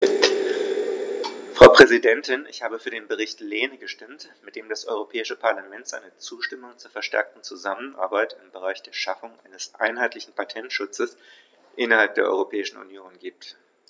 Frau Präsidentin, ich habe für den Bericht Lehne gestimmt, mit dem das Europäische Parlament seine Zustimmung zur verstärkten Zusammenarbeit im Bereich der Schaffung eines einheitlichen Patentschutzes innerhalb der Europäischen Union gibt.